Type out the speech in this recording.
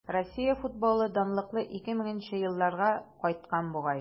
Россия футболы данлыклы 2000 нче елларга кайткан бугай.